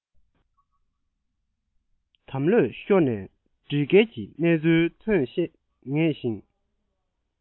དམ ལྷོད ཤོར ནས སྒྲིག འགལ གྱི གནས ཚུལ ཐོན ངེས ཤིང